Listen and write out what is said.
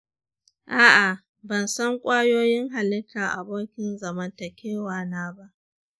a'a bansan ƙwayoyin halittar abokin zamantakewa na ba